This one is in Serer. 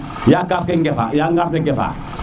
ya kaaf ke ngefa ya ngaf ne gefa